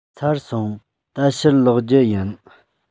ཚར སོང ད ཕྱིར ལོག རྒྱུ ཡིན